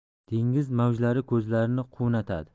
dengiz mavjlari ko'zlarini quvnatadi